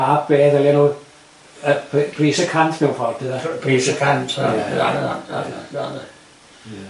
a be ddylia yy y- pris y cant mewn ffor duda? Pris y cant ia ia ia ia.